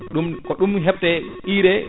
ɗum ko ɗum hedte urée